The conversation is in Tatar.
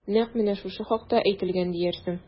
Нәкъ менә шушы хакта әйтелгән диярсең...